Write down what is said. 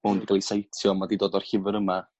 mo hwn 'di ca'l i citio ma' 'di dod o'r llyfr yma